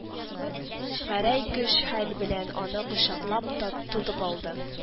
Гәрәй көч-хәл белән аны кочаклап тотып алды